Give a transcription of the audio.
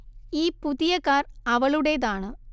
ഈ പുതിയ കാർ അവളുടെതാണ്